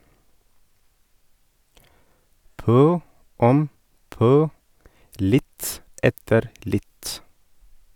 PØ OM PØ - litt etter litt.